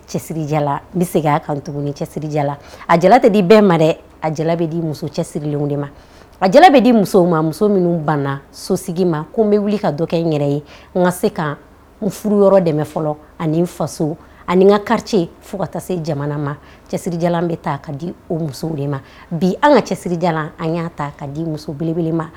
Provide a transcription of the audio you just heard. A di ma a bɛ di muso cɛsirilen de ma a jala bɛ di muso ma muso minnu banna so sigi ma ko n bɛ wuli ka kɛ n yɛrɛ ye n se ka n furu yɔrɔ dɛmɛ fɔlɔ ani faso ani n ka kari fo ka se jamana ma cɛja bɛ taa ka di o musow de ma bi an ka cɛja an y'a ta ka di musoele ma